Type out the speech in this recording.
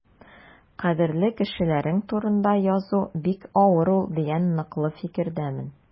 Кадерле кешеләрең турында язу бик авыр ул дигән ныклы фикердәмен.